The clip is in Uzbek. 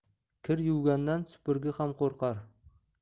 kir yuvgandan supurgi ham qo'rqar